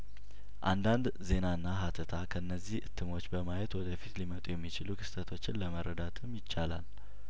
አንዳንድ ዜናና ሀተታ ከእነዚህ እትሞች በማየት ወደፊት ሊመጡ የሚችሉ ክስተቶችን ለመረዳትም ይቻላል